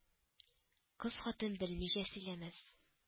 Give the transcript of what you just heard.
Кыз-хатын белмичә сөйләмәс